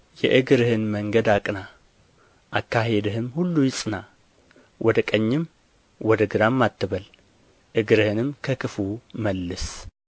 የእግርህን መንገድ አቅና አካሄድህም ሁሉ ይጽና ወደ ቀኝም ወደ ግራም አትበል እግርህንም ከክፉ መልስ